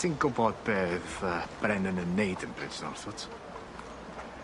Ti'n gwbod be' o'dd yy Brennan yn neud yn Bridgenorth wt?